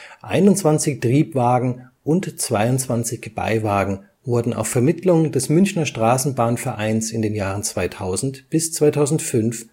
21 Triebwagen und 22 Beiwagen wurden auf Vermittlung des Münchner Straßenbahnvereins in den Jahren 2000 bis 2005